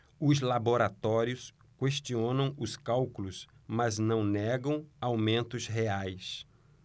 os laboratórios questionam os cálculos mas não negam aumentos reais